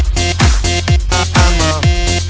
a mờ